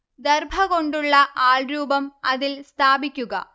ദർഭ കൊണ്ടുള്ള ആൾരൂപം അതിൽ സ്ഥാപിയ്ക്കുക